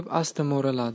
asta mo'raladi